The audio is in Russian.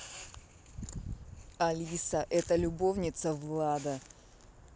алиса это любовница влада